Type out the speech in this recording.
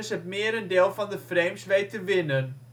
het merendeel van de frames weet te winnen